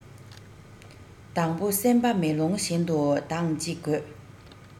དང པོ སེམས པ མེ ལོང བཞིན དུ དྭངས གཅིག དགོས